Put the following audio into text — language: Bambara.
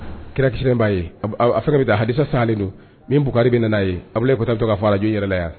Kira ki in b'a ye a fɛ bɛ taa hasa salen don minugkari bɛ n'a ye a e kota to'a fɔ a jɔn yɛrɛ la yan